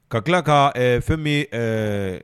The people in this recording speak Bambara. Ka tila ka fɛn bɛ